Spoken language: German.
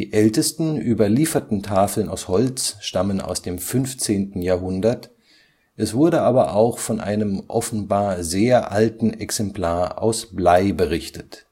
ältesten überlieferten Tafeln aus Holz stammen aus dem 15. Jahrhundert, es wurde aber auch von einem offenbar sehr alten Exemplar aus Blei berichtet